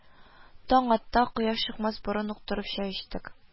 Таң атта, кояш чыкмас борын ук торып чәй эчтек